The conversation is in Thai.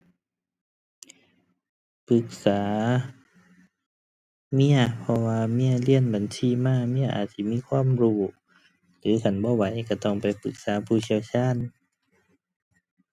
ปรึกษาเมีย เพราะว่าเมียเรียนบัญชีมา เมียอาจสิมีความรู้ หรือคันบ่ไหวก็ต้องไปปรึกษาผู้เชี่ยวชาญ